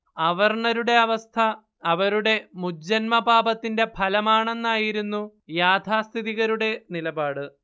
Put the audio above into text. അവർണ്ണരുടെ അവസ്ഥ അവരുടെ മുജ്ജന്മപാപത്തിന്റെ ഫലമാണെന്നായിരുന്നു യാഥാസ്ഥിതികരുടെ നിലപാട്